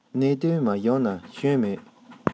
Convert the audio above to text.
གནད དོན མ བྱུང ན སྐྱོན མེད